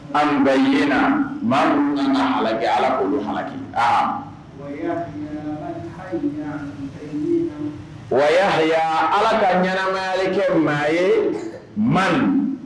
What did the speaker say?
An bɛ yen na ma ala ala olu fanaki a wahiya ala ka ɲma kɛ maa ye man ɲi